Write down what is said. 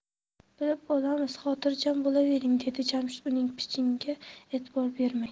bilib olamiz xotirjam bo'lavering dedi jamshid uning pichingiga e'tibor bermay